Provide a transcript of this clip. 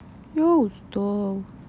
я устал